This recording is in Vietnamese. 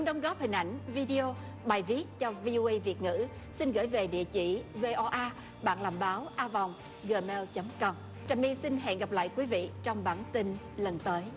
đóng góp hình ảnh vi deo bài viết cho vi ô ây việt ngữ xin gửi về địa chỉ vê o a bạn làm báo a còng gờ meo chấm com trầm anh xin hẹn gặp lại quý vị trong bản tin lần tới